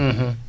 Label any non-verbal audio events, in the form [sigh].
[hesitation] [hesitation]